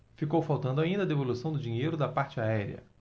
ficou faltando ainda a devolução do dinheiro da parte aérea